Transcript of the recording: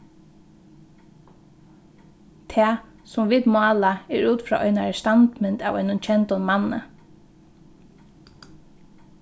tað sum vit mála er út frá einari standmynd av einum kendum manni